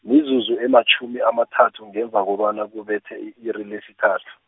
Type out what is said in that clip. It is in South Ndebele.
mizuzu ematjhumi amathathu ngemva kobana kubethe i-iri lesithathu.